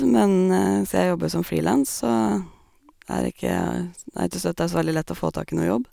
Men sia jeg jobber som freelance, så er det ikke a s er det ikke støtt det er så veldig lett å få tak i noe jobb.